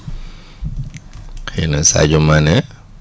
xëy na Sadio Mané